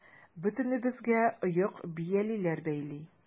Бөтенебезгә оек-биялиләр бәйли.